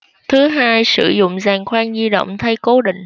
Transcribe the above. thứ hai sử dụng giàn khoan di động thay cố định